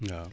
waaw